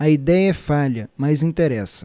a idéia é falha mas interessa